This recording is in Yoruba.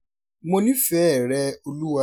Mo nífẹ̀ẹ́-ẹ̀ rẹ olúwa!